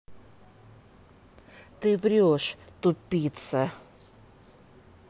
ты врешь тупица